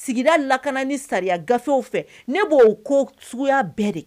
Sigida lakana ni sariya gafew fɛ ne b'o ko sugu bɛɛ de